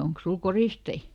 onkos sinulla koristeita